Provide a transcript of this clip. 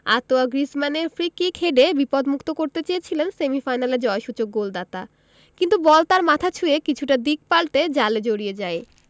আঁতোয়া গ্রিজমানের ফ্রিকিক হেডে বিপদমুক্ত করতে চেয়েছিলেন সেমিফাইনালের জয়সূচক গোলদাতা কিন্তু বল তার মাথা ছুঁয়ে কিছুটা দিক পাল্টে জালে জড়িয়ে যায়